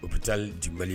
O bɛ taabali